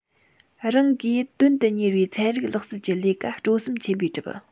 རང གིས དོན དུ གཉེར བའི ཚན རིག ལག རྩལ གྱི ལས ཀ སྤྲོ སེམས ཆེན པོས བསྒྲུབས